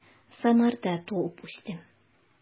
Самарда туып үстем.